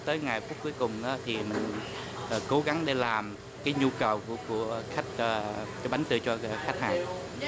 tới ngày phút cuối cùng thì mình cố gắng để làm cái nhu cầu của khách là cái bánh to cho khách hàng